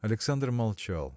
Александр молчал.